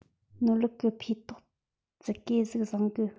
ནོར ལུག གི འཕེས ཐོག ཙིག གེ ཟིག བཟང གི